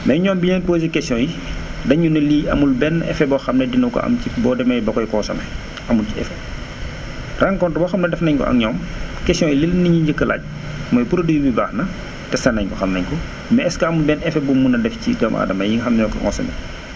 mais ñoom bi ñu leen posé questions yi dañ ñu ne lii amul benn effet boo xam ne dina ko am ci boo demee ba koy consommé amul ci effet rencontre boo xam ne def nañ ko ak ñoom questions yi leen nit ñi njëkk a laaj mooy produit bi baax na testé nañ ko xam nañ ko mais est que amul benn effet bu mu mun a def ci doomu aadama yi nga xam ne ñoo koy consommé